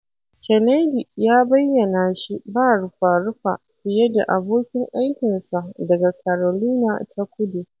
Kennedy ya bayyana shi ba rufa-rufa fiye da abokin aikinsa daga Carolina ta Kudu.